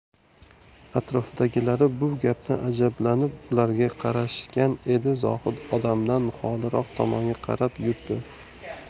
atrofdagilar bu gapdan ajablanib ularga qarashgan edi zohid odamdan xoliroq tomonga qarab yurdi